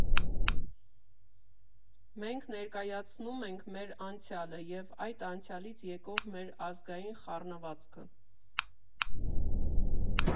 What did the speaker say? «Մենք ներկայացնում ենք և՛ մեր անցյալը, և՛ այդ անցյալից եկող մեր ազգային խառնվածքը։